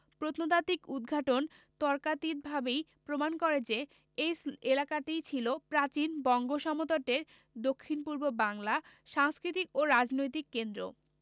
প্রত্নতাত্ত্বিক উদ্ঘাটন তর্কাতীতভাবেই প্রমাণ করে যে এই এলাকাটিই ছিল প্রাচীন বঙ্গ সমতটের দক্ষিণপূর্ব বাংলা সাংস্কৃতিক ও রাজনৈতিক কেন্দ্র